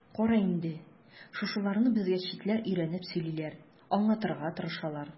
Кара инде, шушыларны безгә читләр өйрәнеп сөйлиләр, аңлатырга тырышалар.